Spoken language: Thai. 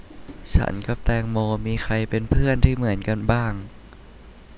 ฉันกับแตงโมมีใครเป็นเพื่อนที่เหมือนกันบ้าง